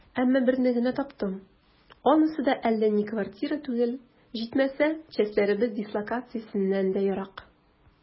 Әмма берне генә таптым, анысы да әллә ни квартира түгел, җитмәсә, частьләребез дислокациясеннән дә ерак.